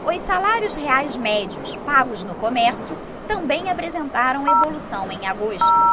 os salários reais médios pagos no comércio também apresentaram evolução em agosto